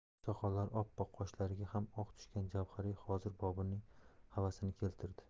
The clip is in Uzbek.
soqollari oppoq qoshlariga ham oq tushgan javhariy hozir boburning havasini keltirdi